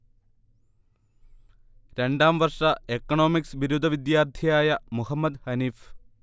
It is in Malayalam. രണ്ടാംവർഷ എക്ണോമിക്സ് ബിരുദ വിദ്യാർത്ഥിയായ മുഹമ്മദ്ഹനീഫ്